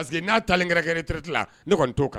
Parce que n'a taara n kɛraɛrɛre tireti la ne kɔni n t'o kalan